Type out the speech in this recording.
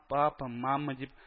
Папа, мама дип